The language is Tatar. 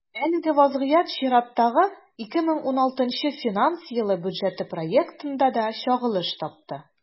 Әлеге вазгыять чираттагы, 2016 финанс елы бюджеты проектында да чагылыш тапты.